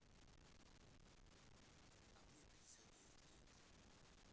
а мне пятьдесят девять лет